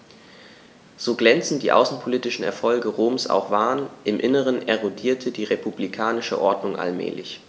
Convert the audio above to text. So glänzend die außenpolitischen Erfolge Roms auch waren: Im Inneren erodierte die republikanische Ordnung allmählich.